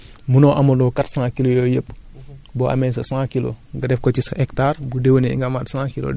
mais tamit bu dee bu bu dee par exemple munoo amandoo quatre cent kilos yooyu yépp